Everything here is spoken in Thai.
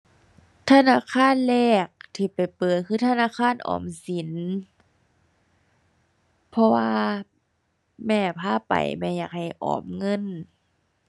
ธนาคารแรกที่ไปเปิดคือธนาคารออมสิน เพราะว่าแม่พาไป แม่อยากให้ออมเงิน